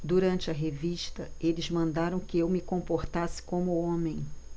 durante a revista eles mandaram que eu me comportasse como homem